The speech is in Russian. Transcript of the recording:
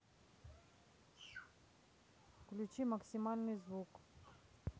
включи максимальный звук